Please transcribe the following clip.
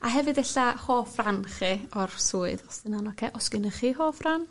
A hefyd e'lla hoff ran chi o'r swydd os 'di hwnna'n oce? O's gynnych chi hoff ran?